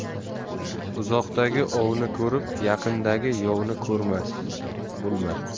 uzoqdagi ovni ko'rib yaqindagi yovni ko'rmas bo'lma